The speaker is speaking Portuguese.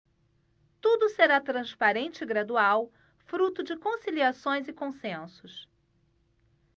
tudo será transparente e gradual fruto de conciliações e consensos